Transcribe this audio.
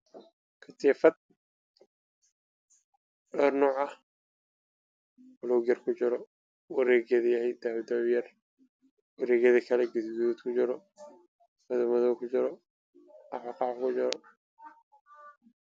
Waas shumac midabkiisii yahay buluug